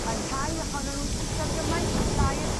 Mae rhai ohonon nw'n pwyso gymaint a thair